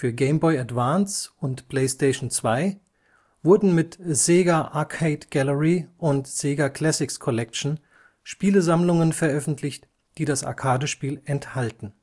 Game Boy Advance und PlayStation 2 wurden mit Sega Arcade Gallery und Sega Classics Collection Spielesammlungen veröffentlicht, die das Arcadespiel enthalten